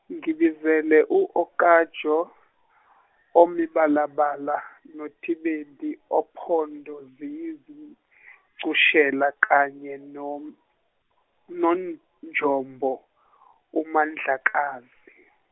ngibizele u Okanjo omibalabala, noTidendi ompondo ziyizincushela kanye noNonjombo uMandlakazi.